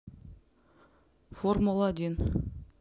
формула один